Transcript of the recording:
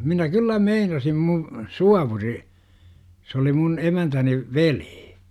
minä kyllä meinasin - suovuri se oli minun emäntäni veli